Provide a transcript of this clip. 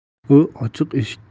u ochiq eshikka